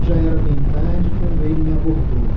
já era bem tarde quando ele me abordou